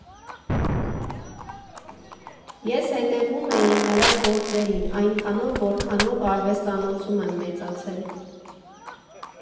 Ես հետևում էի նրա գործերին այնքանով, որքանով արվեստանոցում եմ մեծացել։